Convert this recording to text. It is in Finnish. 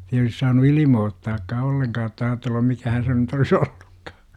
ei olisi saanut ilmoittaakaan ollenkaan jotta ajatellut mikähän se nyt olisi ollutkaan